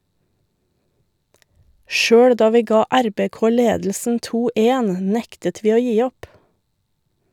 - Sjøl da vi ga RBK ledelsen 2-1, nektet vi å gi opp.